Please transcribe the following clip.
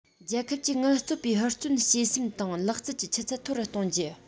རྒྱལ ཁབ ཀྱིས ངལ རྩོལ པའི ཧུར བརྩོན བྱེད སེམས དང ལག རྩལ གྱི ཆུ ཚད མཐོ རུ གཏོང རྒྱུ